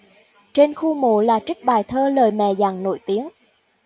trên khu mộ là trích bài thơ lời mẹ dặn nổi tiếng